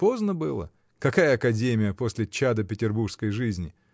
поздно было: какая академия после чада петербургской жизни!